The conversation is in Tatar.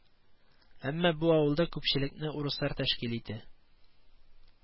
Әмма бу авылда күпчелекне урыслар тәшкил итә